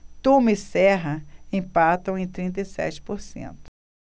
tuma e serra empatam em trinta e sete por cento